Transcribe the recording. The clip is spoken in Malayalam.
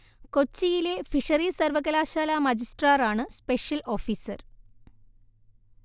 കൊച്ചിയിലെ ഫിഷറീസ് സർവകലാശാല മജിസ്ട്രാറാണ് സ്‌പെഷ്യൽ ഓഫീസർ